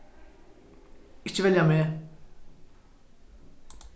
ikki velja meg